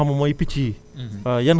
ñu ñëw donc ci li nga xam moom mooy picc yi